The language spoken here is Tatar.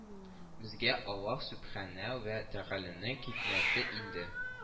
Безгә Аллаһ Сүбхәнәһү вә Тәгаләнең хикмәте иңде